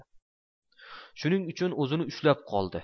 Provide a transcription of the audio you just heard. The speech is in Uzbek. shuning uchun o'zini ushlab qoldi